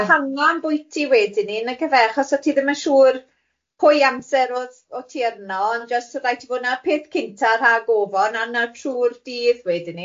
A hango am bwyty wedyn ni nag yfe achos o' ti ddim yn siŵr pwy amser oedd o' ti arno ond jyst oedd rhaid ti fod na peth cynta rhag ofon a na trwy'r dydd wedyn ni.